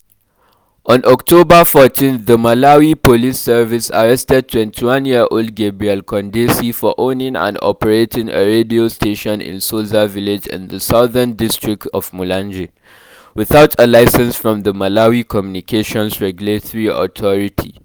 On October 14th the Malawi Police Service arrested 21 year-old Gabriel Kondesi for owning and operating a radio station in Soza Village in the southern district of Mulanje, without a licence from the Malawi Communications Regulatory Authority (MACRA).